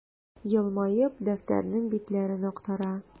Елмаеп, дәфтәрнең битләрен актара.